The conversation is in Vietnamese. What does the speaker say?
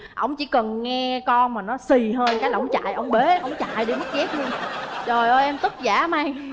ông chỉ cần nghe con mà nó xì hơi cái là ổng chạy ông bế ổng chạy đi mất dép luôn trời ơi em tức dã man luôn